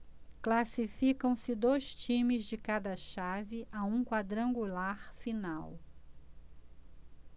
classificam-se dois times de cada chave a um quadrangular final